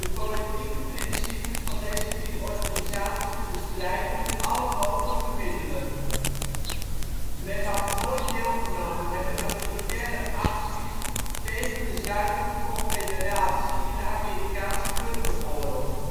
politieke principes van deze drie organisaties te bestrijden met alle mogelijke middelen. 4. Men mag nooit deelgenomen hebben aan militaire acties tegen de Zuidelijke Confederatie in de Amerikaanse Burgeroorlog